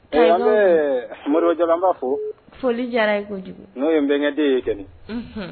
Ɛɛ an bɛ ɛ Moribo Diallo an b'a fo foli diyara a ye kojugu n'o ye n bɛnkɛden ye keni unhun